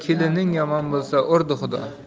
kelining yomon bo'lsa urdi xudo